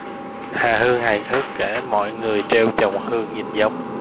hà hương hài hước kể mọi người trêu chồng hương nhìn giống